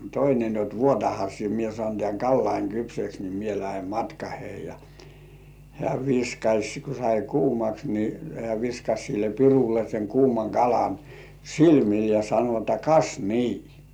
toinen niin jotta vuotahan sinä minä saan tämän kalani kypsäksi niin minä lähden matkaani ja hän viskasi kun sai kuumaksi niin hän viskasi sille pirulle sen kuuman kalan silmille ja sanoi että kas niin